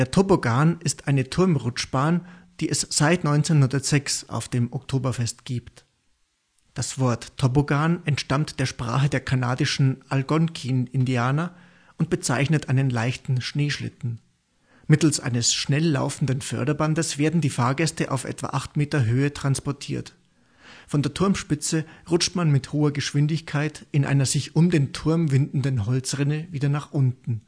Toboggan ist eine Turmrutschbahn, die es seit 1906 auf dem Oktoberfest gibt. Das Wort Toboggan entstammt der Sprache der kanadischen Algonkin-Indianer und bezeichnet einen leichten Schneeschlitten. Mittels eines schnell laufenden Förderbandes werden die Fahrgäste auf etwa acht Meter Höhe transportiert. Von der Turmspitze rutscht man mit hoher Geschwindigkeit in einer sich um den Turm windenden Holzrinne wieder nach unten